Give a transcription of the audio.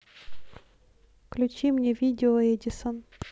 включи мне видео эдисон